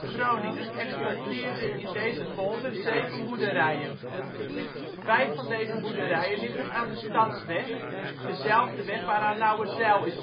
Groningen exploiteerde in deze polder 7 boerderijen. Vijf van deze boerderijen liggen aan de stadsweg, dezelfde weg waaraan Lauwerzijl is